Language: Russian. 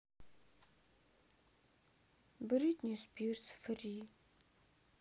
бритни спирс фри